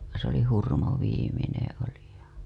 se oli Hurmo viimeinen oli ja